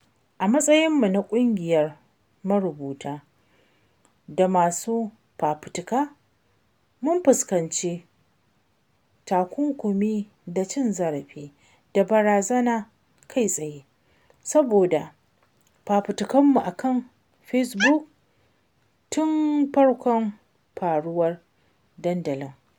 A matsayin mu na ƙungiyar marubuta da masu fafutuka, mun fuskanci takunkumi da cin zarafi da barazana kai tsaye saboda fafutukarmu a kan Facebook tun farkon kafuwar dandalin.